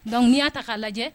Donc n'i y'a ta k'a lajɛ